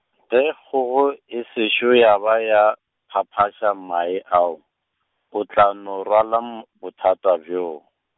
ge kgogo e sešo ya ba ya phaphaša mae ao, o tla no rwala m-, bothata bjoo.